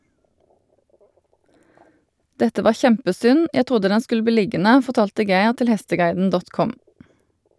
- Dette var kjempesynd, jeg trodde den skulle bli liggende, fortalte Geir til hesteguiden.com.